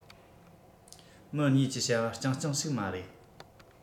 མི གཉིས ཀྱི བྱ བ རྐྱང རྐྱང ཞིག མ རེད